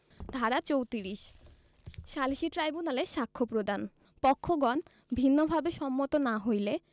ধারা ৩৪ সালিসী ট্রাইব্যুনালে সাক্ষ্য প্রদান পক্ষগণ ভিন্নভাবে সম্মত না হইলে